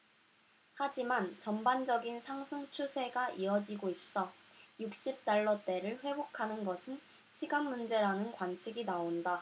하지만 전반적인 상승 추세가 이어지고 있어 육십 달러대를 회복하는 것은 시간문제라는 관측이 나온다